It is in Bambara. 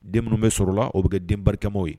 Den minnu bɛ sɔrɔlala o bɛ kɛ denbakɛma ye